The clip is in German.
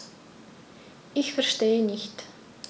Ich verstehe nicht.